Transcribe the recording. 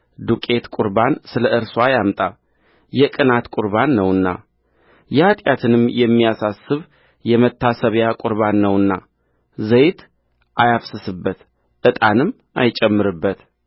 ዱቄት ቍርባን ስለ እርስዋ ያምጣ የቅንዓት ቍርባን ነውና ኃጢአትንም የሚያሳስብ የመታሰቢያ ቍርባን ነውና ዘይት አያፍስስበት ዕጣንም አይጨምርበት